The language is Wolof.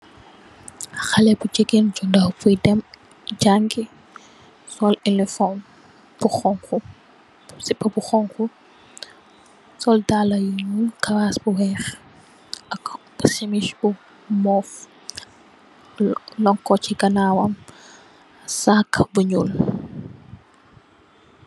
Haley bu jigeen ju ndaw bi dem jangè sol uniform bu honku, sipa bu honku, sol daal la yu ñuul, kawaas bi weeh ak simiss bu move. Lonko chi ganaawam sagg bu ñuul.